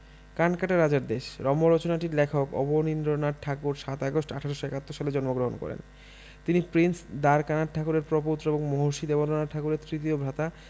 'কানকাটা রাজার দেশ' রম্যরচনাটির লেখক অবনীন্দ্রনাথ ঠাকুর ৭ আগস্ট ১৮৭১ সালে জন্মগ্রহণ করেন তিনি প্রিন্স দ্বারকানাথ ঠাকুরের প্রপৌত্র এবং মহর্ষি দেবেন্দ্রনাথ ঠাকুরের তৃতীয় ভ্রাতা